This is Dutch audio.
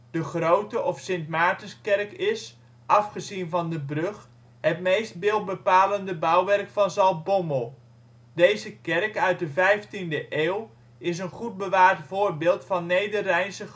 De Grote of Sint-Maartenskerk is, afgezien van de brug, het meest beeldbepalende bouwwerk van Zaltbommel. Deze kerk uit de 15e eeuw is een goed bewaard voorbeeld van Nederrijnse